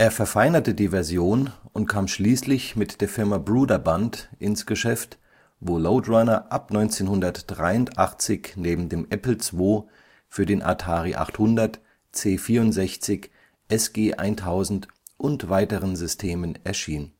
verfeinerte die Version und kam schließlich mit der Firma Brøderbund ins Geschäft, wo Lode Runner ab 1983 neben dem Apple II für den Atari 800, C64, SG-1000 und weitere Systeme erschien